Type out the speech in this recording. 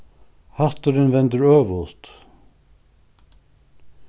hatturin vendir øvut